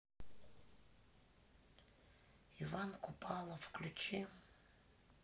иван купала включи